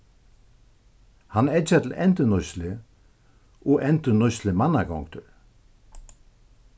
hann eggjar til endurnýtslu og endurnýtslumannagongdir